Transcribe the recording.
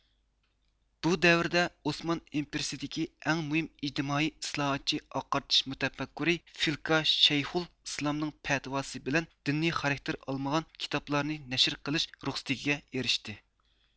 بۇ دەۋردە ئوسمان ئىمپېرىيىسىدىكى ئەڭ مۇھىم ئىجتىمائىي ئىسلاھاتچى ئاقارتىش مۇتەپەككۇرى فىلكا شەيخۇل ئىسلامنىڭ پەتىۋاسى بىلەن دىنىي خاراكتېر ئالمىغان كىتابلارنى نەشر قىلىش رۇخسىتىگە ئېرىشتى